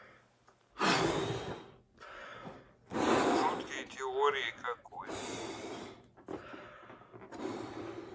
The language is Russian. жуткие теории какой